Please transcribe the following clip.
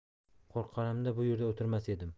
qo'rqqanimda bu yerda o'tirmas edim